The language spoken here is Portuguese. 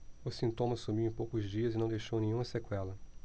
o sintoma sumiu em poucos dias e não deixou nenhuma sequela